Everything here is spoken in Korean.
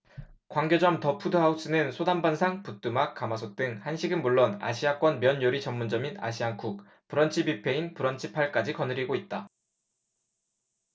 광교점 더 푸드 하우스는 소담반상 부뚜막 가마솥 등 한식은 물론 아시아권 면 요리 전문점인 아시안쿡 브런치뷔페인 브런치 팔 까지 거느리고 있다